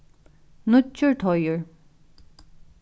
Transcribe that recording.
nýggjur teigur